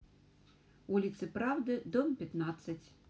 улица правды дом пятнадцать